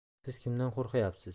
siz kimdan qo'rqyapsiz